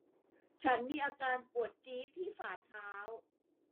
ฉันมีอาการปวดจี๊ดที่ฝ่าเท้า